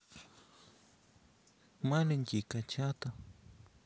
миленькие котятки